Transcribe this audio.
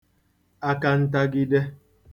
akantagide